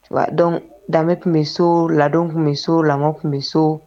Tu donc danbe tun be soo ladon tun be soo lamɔ tun be soo